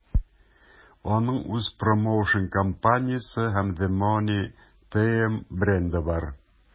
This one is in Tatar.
Аның үз промоушн-компаниясе һәм The Money Team бренды бар.